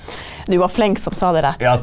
du var flink som sa det rett.